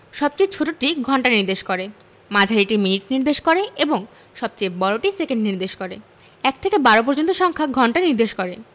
সবচেয়ে ছোটটি ঘন্টা নির্দেশ করে মাঝারিটি মিনিট নির্দেশ করে এবং সবচেয়ে বড়টি সেকেন্ড নির্দেশ করে ১ থেকে ১২ পর্যন্ত সংখ্যা ঘন্টা নির্দেশ করে